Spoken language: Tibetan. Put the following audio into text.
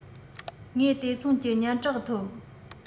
ངས དེ མཚུངས ཀྱི སྙན གྲགས ཐོབ